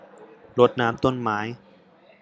รดน้ำต้นไม้